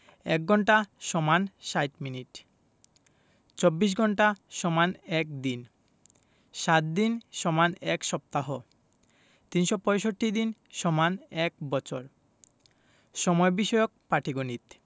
১ঘন্টা = ৬০ মিনিট ২৪ ঘন্টা = ১ দিন ৭ দিন = ১ সপ্তাহ ৩৬৫ দিন = ১বছর সময় বিষয়ক পাটিগনিত